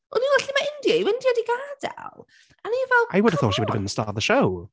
O’n i fel, lle mae India, yw India 'di gadael? A o’n i fel... I would have thought she would have been star of the show.